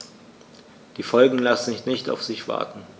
Die Folgen lassen nicht auf sich warten.